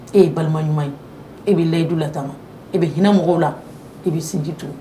E ye balima ɲuman ye e bɛ layidu lata i bɛ hinɛ mɔgɔw la i bɛ sinjitu